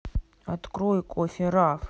открой кофе раф